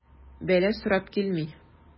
Бәла сорап килми.